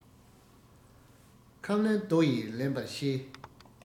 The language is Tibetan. ཁབ ལེན རྡོ ཡིས ལེན པར ཤེས